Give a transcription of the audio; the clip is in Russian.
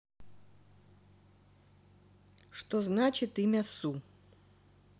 что значит имя су